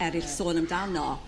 eryll sôn amdano.